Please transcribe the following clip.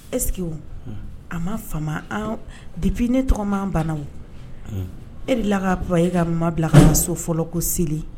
Eseke a ma fa depi ne tɔgɔma bana o e de la k ka ban e ka ma bila ka ka so fɔlɔ ko seli